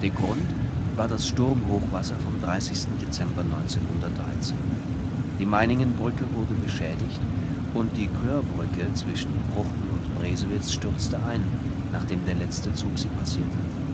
Grund war das Sturmhochwasser vom 30. Dezember 1913. Die Meiningenbrücke wurde beschädigt und die Kloerbrücke zwischen Pruchten und Bresewitz stürzte ein, nachdem der letzte Zug sie passiert hatte